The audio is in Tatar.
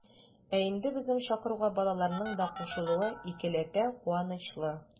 Ә инде безнең чакыруга балаларның да кушылуы икеләтә куанычлы.